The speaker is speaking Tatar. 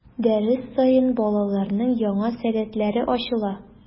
Дәрес саен балаларның яңа сәләтләре ачыла.